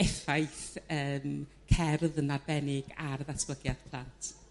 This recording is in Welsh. effaith yrm cerdd yn arbennig ar ddatblygiad plant